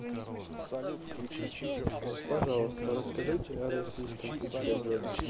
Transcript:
пожалуйста расскажи о российском певце джонни